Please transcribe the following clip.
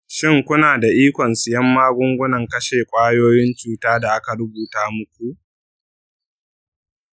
shin kuna da ikon siyan magungunan kashe kwayoyin cuta da aka rubuta muku?